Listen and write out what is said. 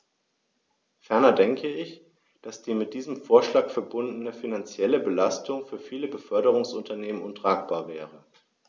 Ferner denke ich, dass die mit diesem Vorschlag verbundene finanzielle Belastung für viele Beförderungsunternehmen untragbar wäre.